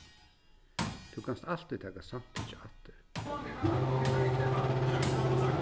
tú kanst altíð taka samtykkið aftur